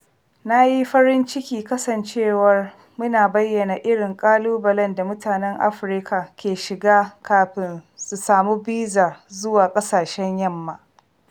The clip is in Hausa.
Na yi farin ciki kasancewar muna bayyana irin ƙalubalen da mutanen Afirka ke shiga kafin su samu bizar zuwa ƙasashen yamma.